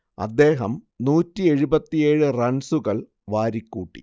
അദ്ദേഹം നൂറ്റിയെഴുപത്തിയേഴ് റൺസുകൾ വാരിക്കൂട്ടി